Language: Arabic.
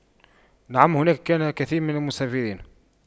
نعم هناك كان كثير من المسافرين